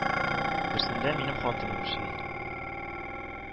Берсендә минем хатыным эшли